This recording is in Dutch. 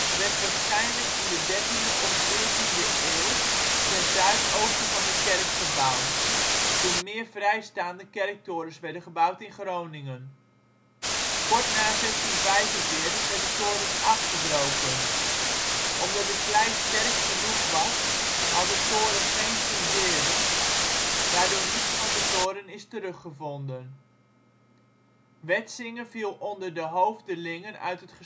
werd waarschijnlijk in de 13e of 14e eeuw ten zuidoosten van de kerk gebouwd, toen meer vrijstaande kerktorens werden gebouwd in Groningen. Kort na 1645 werd de toren afgebroken. Omdat de klei sterk genoeg was had de toren geen fundering, waardoor niets van de toren is teruggevonden. Wetsinge viel onder de hoofdelingen uit